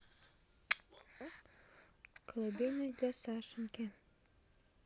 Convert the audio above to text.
колыбельная для сашеньки